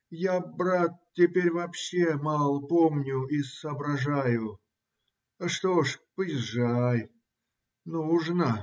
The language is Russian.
Я, брат, теперь вообще мало помню и соображаю. Что ж, поезжай. Нужно.